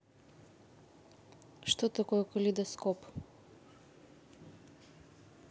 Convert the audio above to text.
что такое калейдоскоп